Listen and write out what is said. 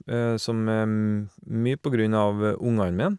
Som er m mye på grunn av ungene mine.